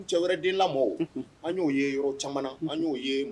Cɛ wɛrɛ den lamɔ an y'o ye yɔrɔ caman an y'o ye